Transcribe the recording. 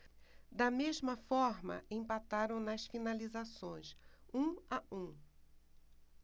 da mesma forma empataram nas finalizações um a um